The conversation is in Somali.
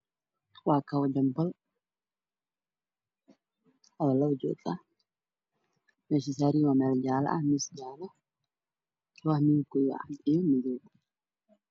Waa kabo janbal oo labo joog ah meesha ay saaran yihiin waa meel jaale ah kabaha midabkoodu waa cadiin madow